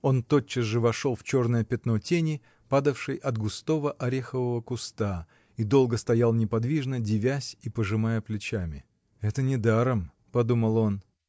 Он тотчас же вошел в черное пятно тени, падавшей от густого орехового куста, и долго стоял неподвижно, дивясь и пожимая плечами. "Это недаром", -- подумал он.